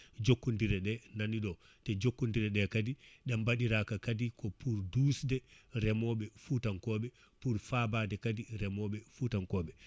jokkodire ɗe nani ɗo te jokkodire ɗe kadi ɗe baɗiraka kadi ko pour dusde reemoɓe Foutankoɓe pour fabade kadi reemoɓe Foutankoɓe